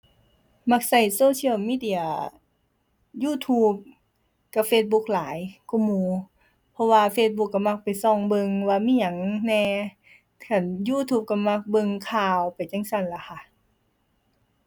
มักใช้ social media YouTube กับ Facebook หลายกว่าหมู่ เพราะว่า Facebook ใช้มักไปส่องเบิ่งว่ามีหยังแหน่ คัน YouTube ใช้มักเบิ่งข่าวไปจั่งซั้นล่ะค่ะ